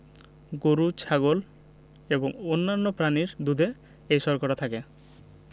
গরু ছাগল এবং অন্যান্য প্রাণীর দুধে এই শর্করা থাকে